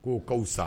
K ko k'aw san